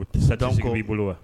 O tɛ san donc , disque b'i bolo wa?